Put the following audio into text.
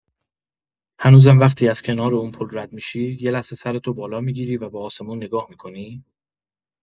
هنوزم وقتی از کنار اون پل رد می‌شی، یه لحظه سرتو بالا می‌گیری و به آسمون نگاه می‌کنی؟